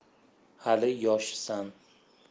hali yoshsan